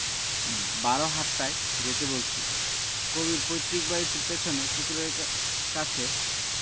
বারহাট্টায় যেতে বলছি কবির পৈতৃক বাড়ির পেছনে পুকুরের কাছে